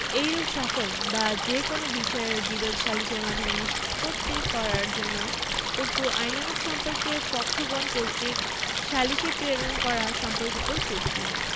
এইরূপ সকল বা যে কোন বিষয়ের বিরোধ সালিসের মাধ্যমে নিষ্পত্তি করার জন্য উক্ত আইনানুগ সম্পর্কের পক্ষগণ কর্তৃক সালিসে প্রেরণ করা সম্পর্কিত চুক্তি